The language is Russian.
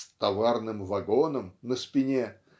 с "товарным вагоном" на спине